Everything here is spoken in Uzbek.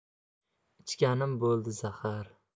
ichganim bo'ldi zahar